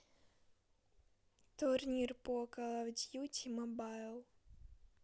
турнир по каловдьюти мобайл